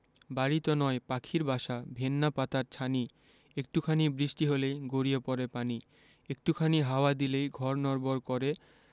বাড়িতো নয় পাখির বাসা ভেন্না পাতার ছানি একটু খানি বৃষ্টি হলেই গড়িয়ে পড়ে পানি একটু খানি হাওয়া দিলেই ঘর নড়বড় করে